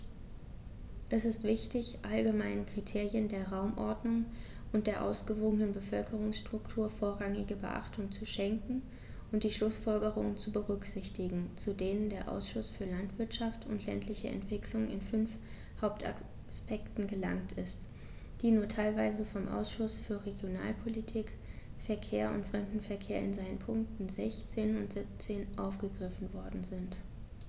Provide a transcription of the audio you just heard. Es ist wichtig, allgemeinen Kriterien der Raumordnung und der ausgewogenen Bevölkerungsstruktur vorrangige Beachtung zu schenken und die Schlußfolgerungen zu berücksichtigen, zu denen der Ausschuss für Landwirtschaft und ländliche Entwicklung in fünf Hauptaspekten gelangt ist, die nur teilweise vom Ausschuss für Regionalpolitik, Verkehr und Fremdenverkehr in seinen Punkten 16 und 17 aufgegriffen worden sind.